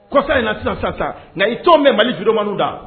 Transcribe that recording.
Kɔsa in na sisan sisan tan nka i tɔn mɛn mali jumani da